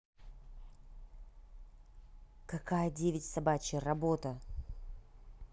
какая девять собачья работа